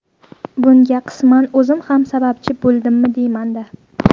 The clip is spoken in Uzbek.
bunga qisman o'zim ham sababchi bo'ldimmi deymanda